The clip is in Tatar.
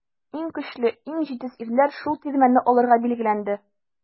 Иң көчле, иң җитез ирләр шул тирмәне алырга билгеләнде.